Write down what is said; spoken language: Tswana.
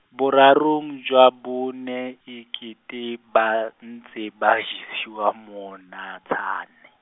borarong jwa bone e kete ba ntse ba jesiwa monontshane.